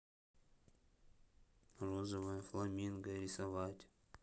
розовое фламинго рисовать